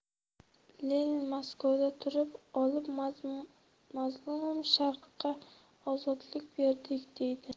lenin moskovda turib olib mazlum sharqqa ozodlik berdik deydi